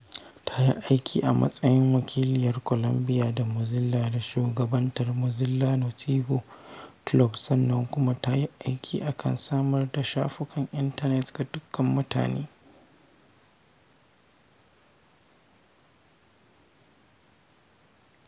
Ta yi aiki a matsayin Wakiliyar Columbia a Mozilla da Shugabantar Mozilla Nativo Club sannan kuma ta yi aiki a kan samar da shafukan intanet ga dukkanin mutane.